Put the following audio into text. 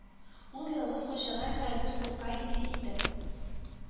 Ул ялгыз качарга хәзер курка иде инде